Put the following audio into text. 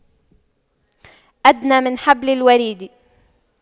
أدنى من حبل الوريد